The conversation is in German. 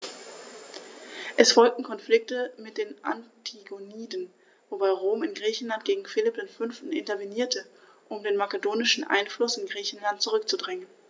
Es folgten Konflikte mit den Antigoniden, wobei Rom in Griechenland gegen Philipp V. intervenierte, um den makedonischen Einfluss in Griechenland zurückzudrängen.